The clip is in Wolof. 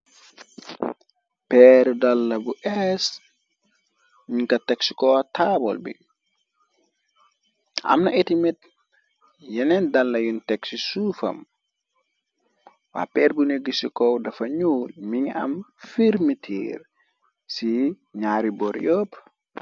peer dalla bu ees ñu ka tegsikoo taabal bi amna etimet yeneen dalla yun teg si suufam waa peer bu negg ci kow dafa ñuul mi ngi am firmitiir ci ñaari bor yopp.